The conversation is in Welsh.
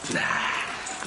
Na.